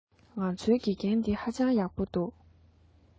ང ཚོའི དགེ རྒན འདི ཧ ཅང ཡག པོ འདུག